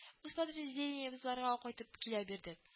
Үз подразделениебызларга кайтып килә бирдек